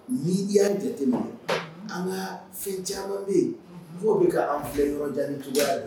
Ni y'an jate min ye an ka fɛn caman bɛ yen mɔgɔ bɛ ka an fɛ yɔrɔjan ni cogoya don